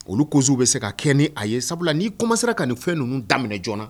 Olu kɔsow bɛ se ka kɛ ni a ye sabula ni'i kɔma siran ka nin fɛn ninnu daminɛ joona na